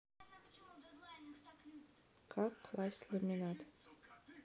как класть ламинат